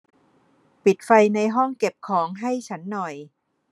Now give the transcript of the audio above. ปิดไฟในห้องเก็บของให้ฉันหน่อย